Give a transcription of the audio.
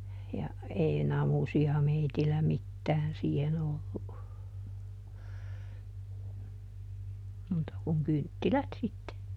ja ei namusia meillä mitään siihen ollut muuta kuin kynttilät sitten